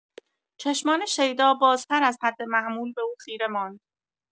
چشمان شیدا بازتر از حد معمول به او خیره ماند.